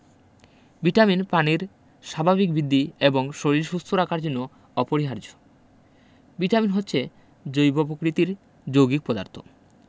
vitamin প্রাণীর স্বাভাবিক বৃদ্ধি এবং শরীর সুস্থ রাখার জন্য অপরিহার্য ভিটামিন হচ্ছে জৈব প্রকৃতির যৌগিক পদার্থ